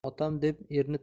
otam deb erni